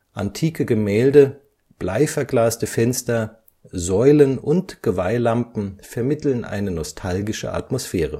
Antike Gemälde, bleiverglaste Fenster, Säulen und Geweihlampen vermitteln eine nostalgische Atmosphäre